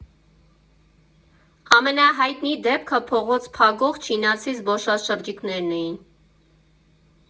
Ամենահայտնի դեպքը փողոց փակող չինացի զբոսաշրջիկներն էին։